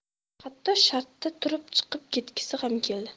hatto shartta turib chiqib ketgisi ham keldi